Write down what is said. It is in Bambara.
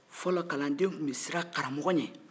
fɔlɔ kaladen tun bɛ siran karamɔgɔ ɲɛ